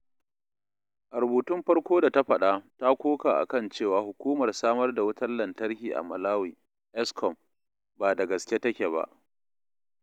A rubutun farko da ta yaɗa, ta koka a kan cewa hukumar samar da wutar lanatarki a Malawi ESCOM ba da gaske take ba.